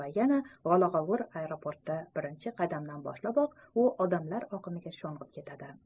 va yana olag'ovur aeroportda birinchi qadamdan boshlaboq u odamlar oqimiga sho'ng'ib ketadi